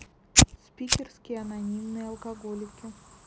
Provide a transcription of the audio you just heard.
спикерские анонимные алкоголики